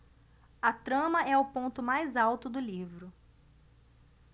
a trama é o ponto mais alto do livro